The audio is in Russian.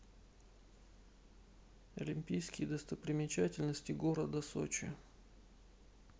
олимпийские достопримечательности города сочи